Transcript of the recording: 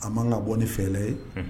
A man ka bɔ ni fɛlɛ ye